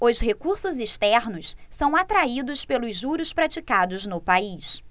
os recursos externos são atraídos pelos juros praticados no país